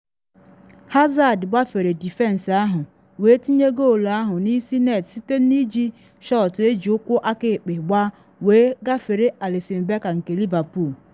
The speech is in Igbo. Hazard gbafere dịfensị ahụ wee tinye goolu ahụ n’isi net site na iji shọt eji ụkwụ akaekpe gbaa wee gafere Alisson Becker nke Liverpool.